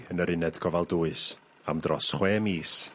...yn yr uned gofal dwys am dros chwe mis.